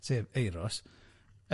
Sef Euros.